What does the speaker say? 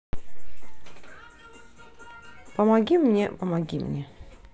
помоги мне помоги мне